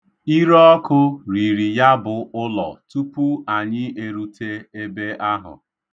Irọọkụ riri ya bụ ụlọ tupu anyị erute ebe ahụ.